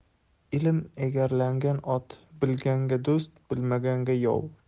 ilm egarlangan ot bilganga do'st bilmaganga yov